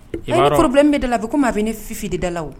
N porobibilen bɛ dala la u maa bɛ ne fifidi dala la